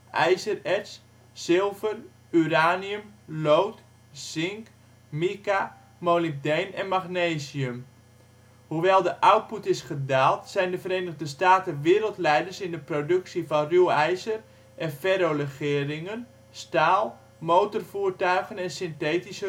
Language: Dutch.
ijzererts, zilver, uranium, lood, zink, mica, molybdeen en magnesium. Hoewel de output is gedaald, zijn de Verenigde Staten wereldleiders in de productie van ruwijzer en ferrolegeringen, staal, motorvoertuigen en synthetisch